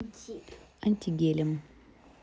антигелем